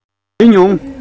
འདྲི མྱོང